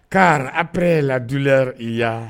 Car après la douleur il y a